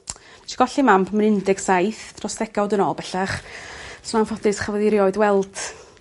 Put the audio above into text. Nesh i golli mam pan o'n i'n un deg saith dros ddegawd yn ôl bellach so anffodus chafodd 'i erioed welt